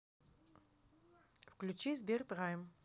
включи сберпрайм